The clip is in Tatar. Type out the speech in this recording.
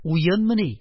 Уенмыни?!